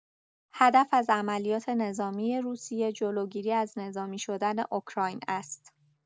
هدف از عملیات نظامی روسیه جلوگیری از نظامی شدن اوکراین است.